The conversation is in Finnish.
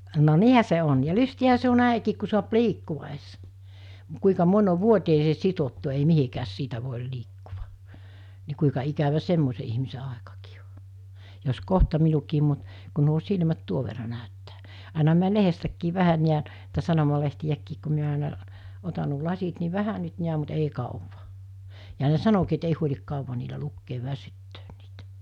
no niinhän se on ja lystiähän se on näinkin kun saa liikkua edes mutta kuinka moni on vuoteeseen sidottu ei mihinkään siitä voi liikkua niin kuinka ikävä semmoisen ihmisen aikakin on jos kohta minunkin mutta kun nuo silmät tuon verran näyttää aina minä lehdestäkin vähän näen - sanomalehtiäkin kun minä aina otan nuo lasit niin vähän nyt näen mutta ei kauan ja ne sanoikin että ei huoli kauan niillä lukea väsyttää niitä